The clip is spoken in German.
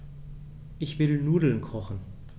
Ich will Nudeln kochen.